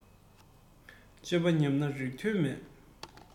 སྤྱོད པ ཉམས ན རིགས དོན མེད